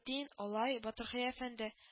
Алай.., Батырхая әфәнде